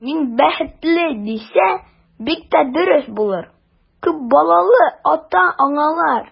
Мин бәхетле, дисә, бик тә дөрес булыр, күп балалы ата-аналар.